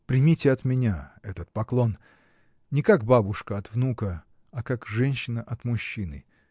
Примите от меня этот поклон, не как бабушка от внука, а как женщина от мужчины.